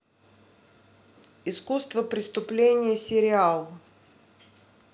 искусство преступления сериал